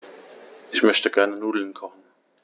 Ich möchte gerne Nudeln kochen.